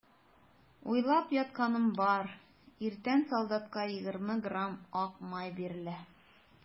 Уйлап ятканым бар: иртән солдатка егерме грамм ак май бирелә.